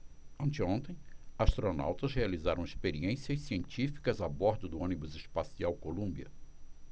anteontem astronautas realizaram experiências científicas a bordo do ônibus espacial columbia